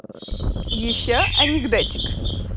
еще анекдотик